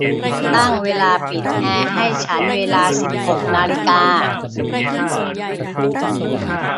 ตั้งเวลาปิดแอร์ให้ฉันเวลาสิบหกนาฬิกา